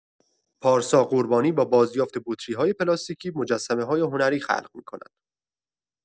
پارسا قربانی، با بازیافت بطری‌های پلاستیکی، مجسمه‌های هنری خلق می‌کند.